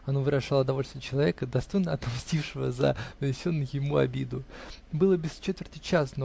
оно выражало довольство человека, достойно отмстившего за нанесенную ему обиду. Было без четверти час